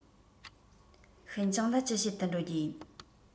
ཤིན ཅང ལ ཅི བྱེད དུ འགྲོ རྒྱུ ཡིན